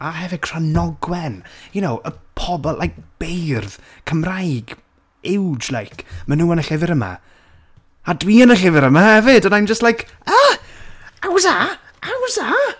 A hefyd Cranogwen you know, y pobol like beirdd, Cymraeg, huge like. Maen nhw yn y llyfr yma, a dwi yn y llyfr yma hefyd, and I'm just like, huh, how's that? how's that?